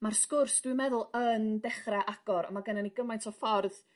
ma'r sgwrs dwi'n meddwl yn dechra agor on' ma' gynnon ni gymaint o ffordd...